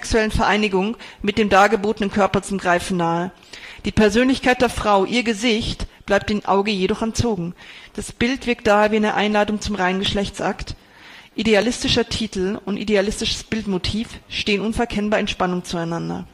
scheint in der sexuellen Vereinigung mit dem dargebotenen Körper zum Greifen nahe. Die Persönlichkeit der Frau – ihr „ Gesicht “– bleibt dem Auge jedoch entzogen. Das Bild wirkt daher wie eine Einladung zum reinen Geschlechtsakt. „ Idealistischer “Titel und „ realistisches “Bildmotiv stehen unverkennbar in Spannung zueinander